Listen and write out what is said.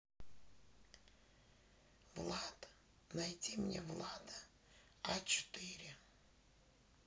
влад найди мне влада а четыре